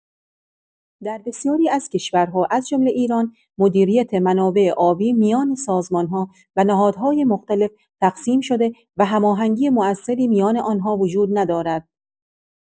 در بسیاری از کشورها از جمله ایران، مدیریت منابع آبی میان سازمان‌ها و نهادهای مختلف تقسیم شده و هماهنگی مؤثری میان آن‌ها وجود ندارد.